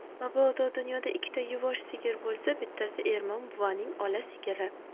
mabodo dunyoda ikkita yuvosh sigir bo'lsa bittasi ermon buvaning ola sigiri